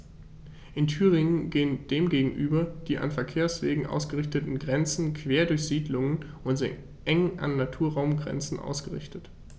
In Thüringen gehen dem gegenüber die an Verkehrswegen ausgerichteten Grenzen quer durch Siedlungen und sind eng an Naturraumgrenzen ausgerichtet.